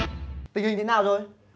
tình hình thế nào rồi